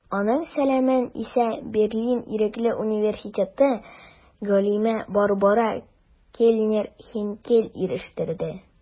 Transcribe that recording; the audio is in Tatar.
Аның сәламен исә Берлин Ирекле университеты галиме Барбара Кельнер-Хейнкель ирештерде.